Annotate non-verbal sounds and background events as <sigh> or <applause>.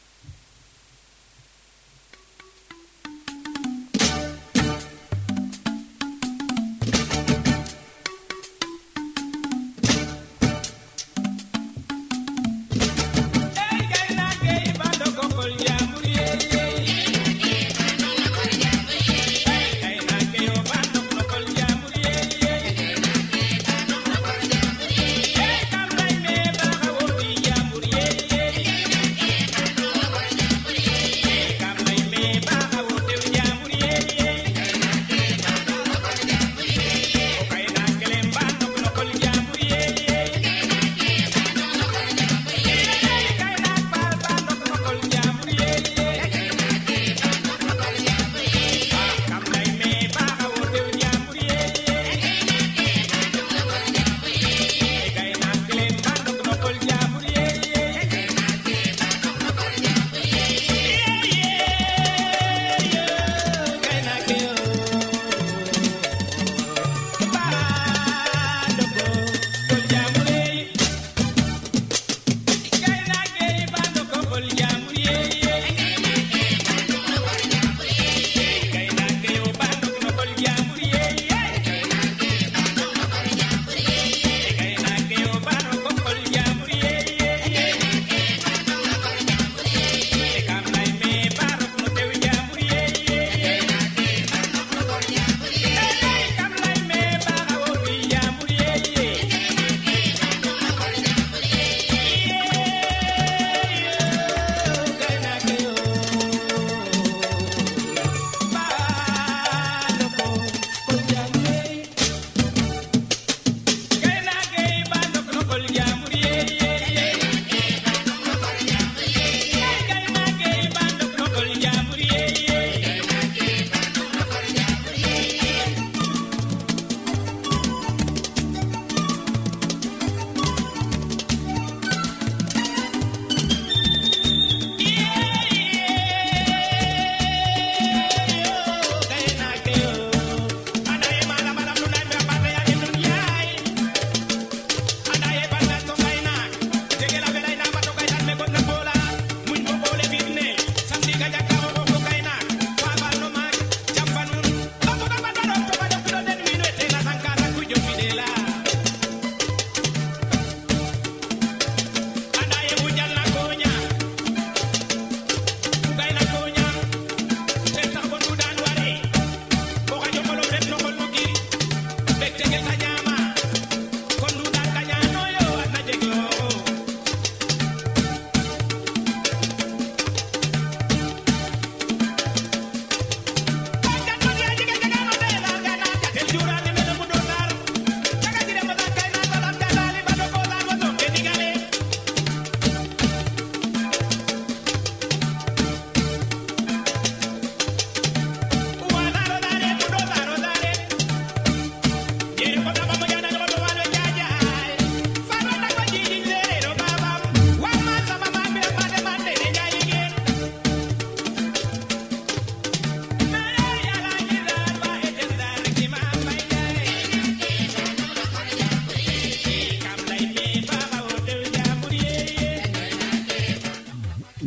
<music>